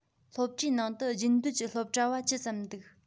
སློབ གྲྭའི ནང དུ རྒྱུན སྡོད ཀྱི སློབ གྲྭ བ ཅི ཙམ འདུག